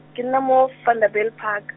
ke nna mo, Vanderbijlpark.